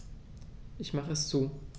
Ich mache es zu.